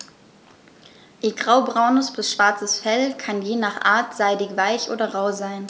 Ihr graubraunes bis schwarzes Fell kann je nach Art seidig-weich oder rau sein.